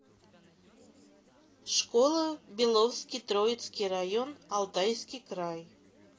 школа беловский троицкий район алтайский край